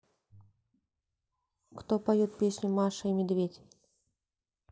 кто поет песню маша и медведь